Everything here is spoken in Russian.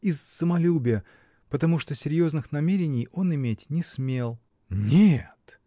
из самолюбия, потому что серьезных намерений он иметь не смел. — Нет!